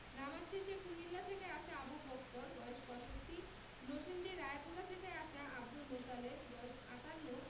নামাজ শেষে কুমিল্লা থেকে আসা আবু বক্কর বয়স ৬৫ নরসিংদী রায়পুরা থেকে আসা আবদুল মোতালেব বয়স ৫৮